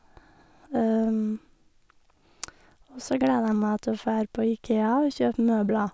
Og så gleder jeg meg til å fær på IKEA og kjøpe møbler.